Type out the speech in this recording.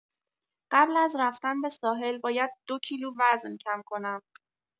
قبل از رفتن به ساحل، باید دو کیلو وزن کم کنم.